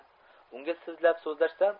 unga sizlab so'zlashim